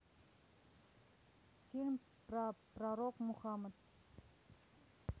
фильм про пророк мухаммад